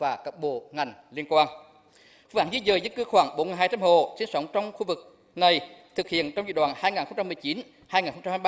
và các bộ ngành liên quan và di dời dân cư khoảng bốn ngàn hai trăm hộ sinh sống trong khu vực này thực hiện trong giai đoạn hai ngàn không trăm mười chín hai ngàn không trăm